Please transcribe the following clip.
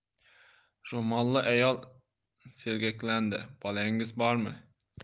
ro'molli ayol sergaklandi bolangiz bormi